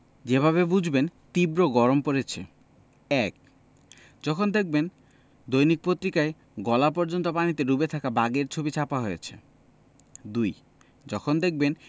যেভাবে বুঝবেন তীব্র গরম পড়েছে ১ যখন দেখবেন দৈনিক পত্রিকায় গলা পর্যন্ত পানিতে ডুবে থাকা বাঘের ছবি ছাপা হয়েছে ২ যখন দেখবেন